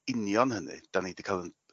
union hynny 'dan ni 'di ca'l 'n